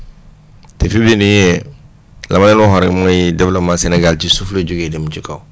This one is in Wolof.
te fi mu ne nii la ma leen waxoon rek mooy développement Sénégal ci suuf la jugee jëm ci kaw